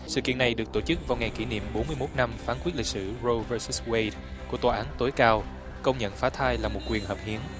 sự kiện này được tổ chức vào ngày kỷ niệm bốn mươi mốt năm phán quyết lịch sử rô vơ sít quây của tòa án tối cao công nhận phá thai là một quyền hợp hiến